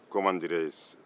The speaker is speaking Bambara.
kɔmandirɛze